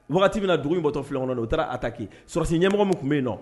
Wagati min bɛna na dugu in min bɔtɔ filɛ kɔnɔ na o u taara a taki sɔsi ɲɛmɔgɔ min tun bɛ yen nɔ